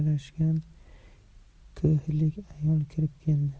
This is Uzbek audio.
yarashgan ko'hlik ayol kirib keldi